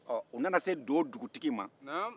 ɔ u nana se do dugutigi ma